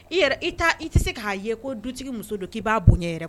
I i i tɛ se k'a ye ko dutigi muso don k'i b'a bonya yɛrɛ